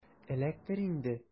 Эләктер инде!